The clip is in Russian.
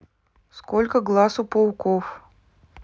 сколько глаз у пауков